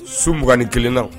Su mugan ni kelenna